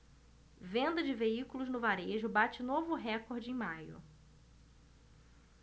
venda de veículos no varejo bate novo recorde em maio